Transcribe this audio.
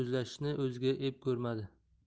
yerda turib so'zlashishni o'ziga ep ko'rmadi